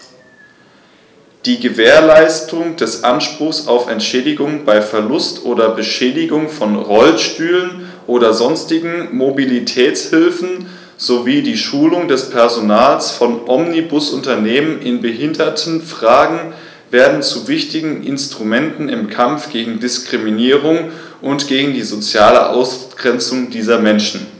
Die Gewährleistung des Anspruchs auf Entschädigung bei Verlust oder Beschädigung von Rollstühlen oder sonstigen Mobilitätshilfen sowie die Schulung des Personals von Omnibusunternehmen in Behindertenfragen werden zu wichtigen Instrumenten im Kampf gegen Diskriminierung und gegen die soziale Ausgrenzung dieser Menschen.